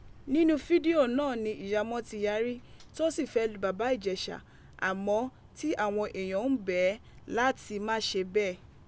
Ninu fidio naa ni iya ọmọ ti yari, to si fẹ lu Baba Ijesha amọ ti awọn eeyan n bẹ lati maṣe bẹẹ.